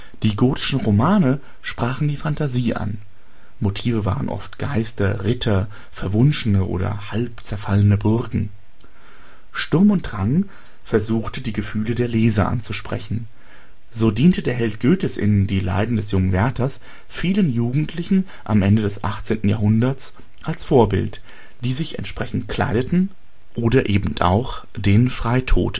Die gotischen Romane sprachen die Phantasie an (Motive waren oft Geister, Ritter, Verwunschene und halbzerfallene Burgen). Sturm und Drang versuchte die Gefühle der Leser anzusprechen. So diente der Held Goethes in Die Leiden des jungen Werthers vielen Jugendlichen am Ende des 18. Jahrhunderts als Vorbild, die sich entsprechend kleideten oder eben auch Selbstmord verübten